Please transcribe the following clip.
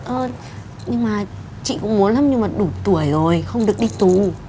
ơ nhưng mà chị cũng muốn lắm nhưng mà đủ tuổi rồi không được đi tù